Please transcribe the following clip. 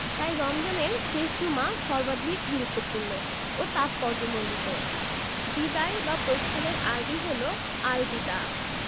তাই রমজানের শেষ জুমা সর্বাধিক গুরুত্বপূর্ণ ও তাৎপর্যমণ্ডিত বিদায় বা প্রস্থানের আরবি হলো আল বিদা